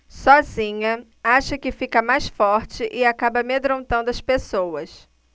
sozinha acha que fica mais forte e acaba amedrontando as pessoas